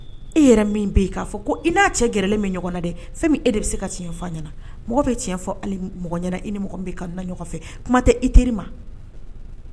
E yɛrɛ min bɛ'a fɔ ko i n'a cɛ gɛrɛlen min ɲɔgɔn na dɛ fɛn min e de bɛ se ka tiɲɛ fa ɲɛna mɔgɔ bɛ cɛn fɔ mɔgɔ ɲɛna i ni na ɲɔgɔn fɛ kuma tɛ i teri ma